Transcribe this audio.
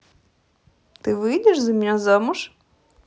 ты выйдешь за меня замуж